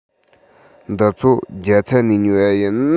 འདི ཚོ རྒྱ ཚ ནས ཉོས པ ཡིན